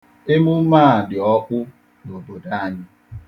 Emume a dị ọkpụ n'obodo anyị.